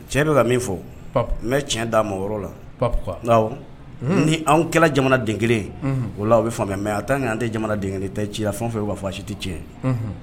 Cɛ bɛ ka min fɔ, n bɛ tiɲɛ d'a ma yɔrɔ la nka ni anw kɛra jamanaden kelen o la bɛ faamuya mais en tant que an tɛ jamanaden kelen ye taa i ci la fɛn o fɛn bɛ ka fɔ a si tɛ tiɲɛ ye, unhun